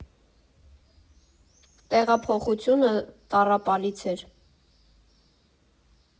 Տեղափոխությունը տառապալից էր։